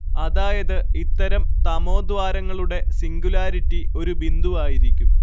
അതായത് ഇത്തരം തമോദ്വാരങ്ങളുടെ സിംഗുലാരിറ്റി ഒരു ബിന്ദുവായിരിക്കും